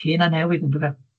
Hen a newydd, yndyfe?